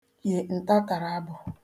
yị̀ ǹtatàrabụ̀